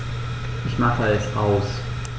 Ich mache es aus.